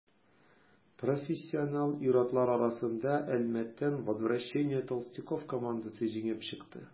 Профессионал ир-атлар арасында Әлмәттән «Возвращение толстяков» командасы җиңеп чыкты.